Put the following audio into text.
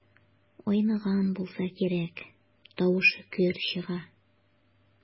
Айныган булса кирәк, тавышы көр чыга.